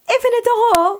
I fili to